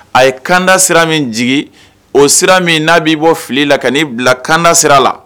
A ye kanda sira min jigi o sira min, n'a b'i bɔ fili la ka n'i bila kanda sira la